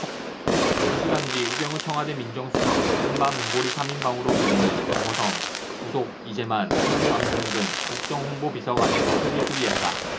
두 시간 뒤 우병우 청와대 민정수석 이른바 문고리 삼 인방으로 불리는 정호성 부속 이재만 총무 안봉근 국정홍보비서관의 사표를 수리했다